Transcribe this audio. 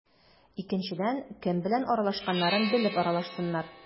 Икенчедән, кем белән аралашканнарын белеп аралашсыннар.